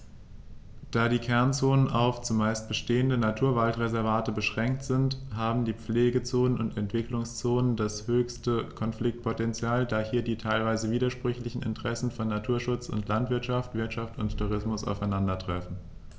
Da die Kernzonen auf – zumeist bestehende – Naturwaldreservate beschränkt sind, haben die Pflegezonen und Entwicklungszonen das höchste Konfliktpotential, da hier die teilweise widersprüchlichen Interessen von Naturschutz und Landwirtschaft, Wirtschaft und Tourismus aufeinandertreffen.